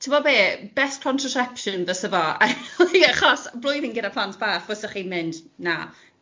Ti'n gwybod be, best contraception fyse fo achos blwyddyn gyda plant bach fysa chi'n mynd na.